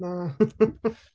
Na .